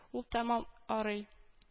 Ул тәмам арый